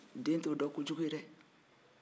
den t'o dɔn kojugu ye dɛ